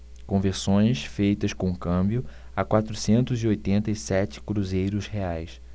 conversões feitas com câmbio a quatrocentos e oitenta e sete cruzeiros reais